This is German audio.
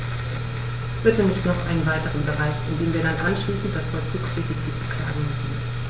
Bitte nicht noch einen weiteren Bereich, in dem wir dann anschließend das Vollzugsdefizit beklagen müssen.